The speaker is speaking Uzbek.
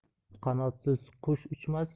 qanotsiz qush uchmas